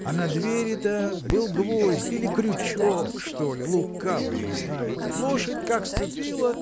А на двери-то был гвоздь или крючок, что ли, – лукавый их знает! Лошадь как ступила